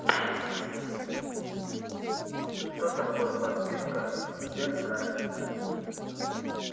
что такое подписка сберпрайм